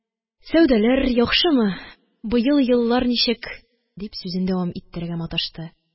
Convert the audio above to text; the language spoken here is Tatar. Сәүдәләр яхшымы, быел еллар ничек? – дип, сүзен дәвам иттерергә маташты